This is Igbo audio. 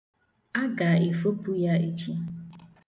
A ga-efopụ ya echi.